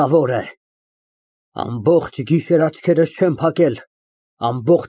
Նրա ամբողջ մարմինը մթնումն է, միայն գլուխն է երևում լուսո շերտի մեջ։ Միաժամանակ բեմի վրա, բացի Մարգարիտից, ոչ ոք չկա։